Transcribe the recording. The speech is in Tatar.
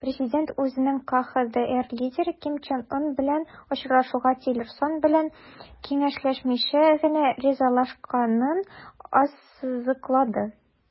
Президент үзенең КХДР лидеры Ким Чен Ын белән очрашуга Тиллерсон белән киңәшләшмичә генә ризалашканын ассызыклады.